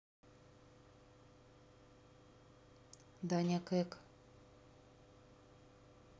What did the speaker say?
даня кек